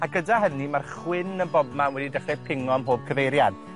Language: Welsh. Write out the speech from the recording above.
a gyda hynny, ma'r chwyn yn bobman wedi dechre pingo ym mhob cyfeiriad.